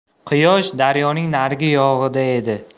quyosh daryoning narigi yog'ida edi